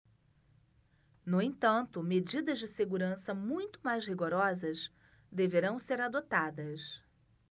no entanto medidas de segurança muito mais rigorosas deverão ser adotadas